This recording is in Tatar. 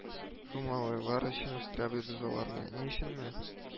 Шул малайлар өчен үстерәбез без аларны. Ни өченме